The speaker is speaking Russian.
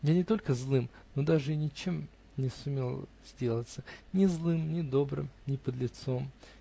Я не только злым, но даже и ничем не сумел сделаться: ни злым, ни добрым, ни подлецом.